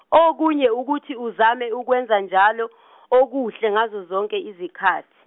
okunye ukuthi uzame ukwenza njalo okuhle ngazo zonke izikhathi.